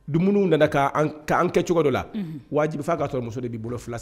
Dum nana k' kaan kɛ cogo dɔ la wajibi f'a kaamuso de' bolo fila sisan